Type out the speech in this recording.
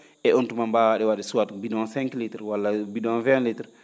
e oon tuman mbaawaa ?e wa?de soit bidon 5 litres walla bidon 20 litres